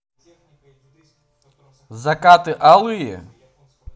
закаты алые